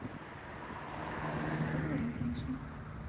поговорим конечно